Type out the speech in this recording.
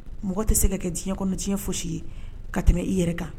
Mɔgɔ tɛ se ka kɛ diɲɛ kɔnɔ, diɲɛ fosi ye ka tɛmɛ i yɛrɛ kan.